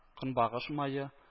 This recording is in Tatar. Көнбагыш мае